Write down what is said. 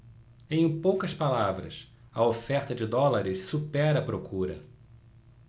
em poucas palavras a oferta de dólares supera a procura